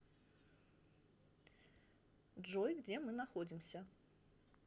джой где мы находимся